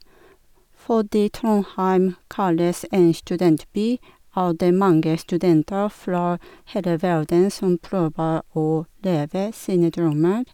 Fordi Trondheim kalles en studentby, er det mange studenter fra hele verden som prøver å leve sine drømmer.